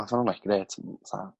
ma'n ffynhonnell grêt atha